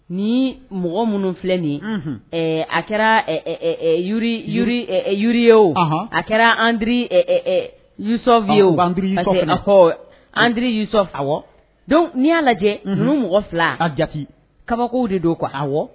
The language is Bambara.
Ni mɔgɔ minnu filɛ nin a kɛra ye' o a kɛra ye andiri a dɔnku n'i y'a lajɛ ninnu mɔgɔ fila ka ja kabako de don ko a